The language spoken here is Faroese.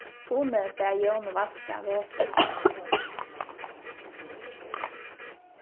uni bað jónu vaska vesið